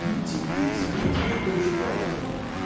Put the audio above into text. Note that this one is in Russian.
Ну, теперь скажу тебе кое-что о том.